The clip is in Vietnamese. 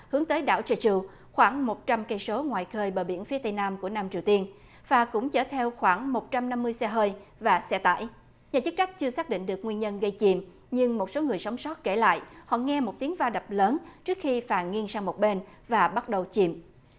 hướng tới đảo trơ chu khoảng một trăm cây số ngoài khơi bờ biển phía tây nam của nam triều tiên và cũng chở theo khoảng một trăm năm mươi xe hơi và xe tải nhà chức trách chưa xác định được nguyên nhân gây chìm nhưng một số người sống sót kể lại họ nghe một tiếng va đập lớn trước khi phà nghiêng sang một bên và bắt đầu chìm